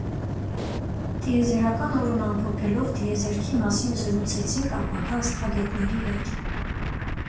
Տիեզերական օրն ամփոփելով՝ տիեզերքի մասին զրուցեցինք ապագա աստղագետների հետ։